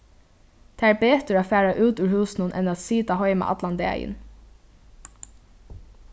tað er betur at fara út úr húsinum enn at sita heima allan dagin